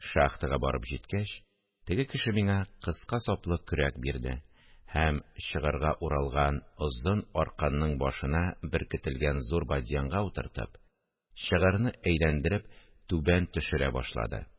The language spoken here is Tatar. Шахтага барып җиткәч, теге кеше миңа кыска саплы көрәк бирде һәм чыгырга уралган озын арканның башына беркетелгән зур бадьянга утыртып, чыгырны әйләндереп түбән төшерә башлады